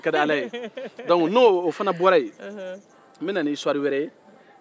n'o fana bɔra yen n bɛna ni isuwari wɛrɛ ye